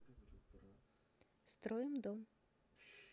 строим дом